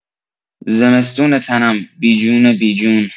زمستونه تنم بی جون بی جون